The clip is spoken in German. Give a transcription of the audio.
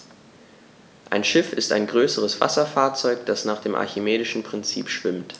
Ein Schiff ist ein größeres Wasserfahrzeug, das nach dem archimedischen Prinzip schwimmt.